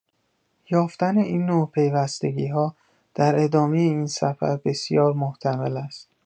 یافتن این نوع پیوستگی‌ها در ادامه این سفر بسیار محتمل است.